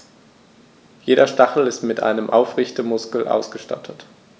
Jeder Stachel ist mit einem Aufrichtemuskel ausgestattet.